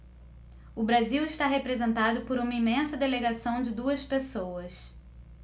o brasil está representado por uma imensa delegação de duas pessoas